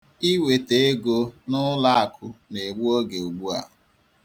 I weta ego n'ụlọakụ na-egbu oge ugbua.